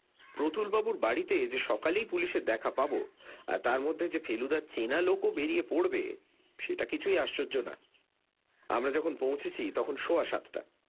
প্রতুলবাবুর বাড়িতে যে সকালেই পুলিশের দেখা পাব আর তার মধ্যে যে ফেলুদার চেনা লোকও বেরিয়ে পড়বে সেটা কিছুই আশ্চর্য না আমরা যখন পৌঁছেছি তখন সোয়া সাতটা